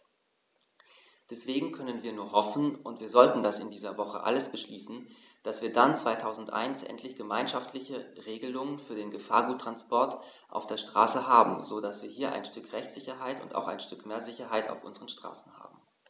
Deswegen können wir nur hoffen - und wir sollten das in dieser Woche alles beschließen -, dass wir dann 2001 endlich gemeinschaftliche Regelungen für den Gefahrguttransport auf der Straße haben, so dass wir hier ein Stück Rechtssicherheit und auch ein Stück mehr Sicherheit auf unseren Straßen haben.